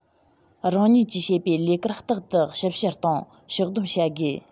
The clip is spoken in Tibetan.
རང ཉིད ཀྱིས བྱེད པའི ལས ཀར རྟག ཏུ ཞིབ བཤེར དང ཕྱོགས བསྡོམས བྱ དགོས